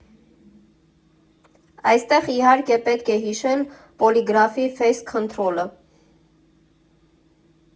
Այստեղ, իհարկե, պետք է հիշել Պոլիգրաֆի ֆեյս քընթրոլը։